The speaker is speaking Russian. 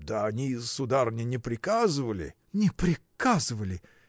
– Да они, сударыня, не приказывали. – Не приказывали!